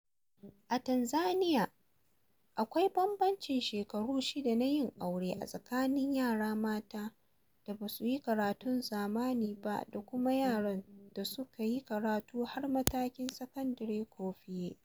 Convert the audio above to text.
A Tanzaniya akwai bambamcin shekaru 6 na yin aure a tsakanin yara mata da ba su yi karatun zamani ba da kuma yaran da su ka yi karatu har matakin sakandire ko fiye.